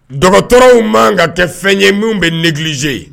Dɔgɔtɔrɔw man ka tɛ fɛn ye minnu bɛ neililize ye